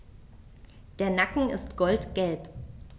Der Nacken ist goldgelb.